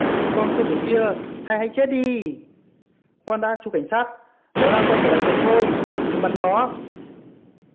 con sư tử kia hãy hãy chết đi khoan đã chú cảnh sát nó đang quay trở lại chuồng thôi đừng bắn nó